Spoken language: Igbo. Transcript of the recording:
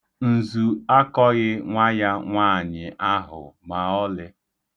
Nzu akọghị nwa ya nwaanyị ahụ ma ọlị.